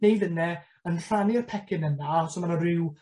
neu finne yn rhannu'r pecyn yna a so ma' 'na ryw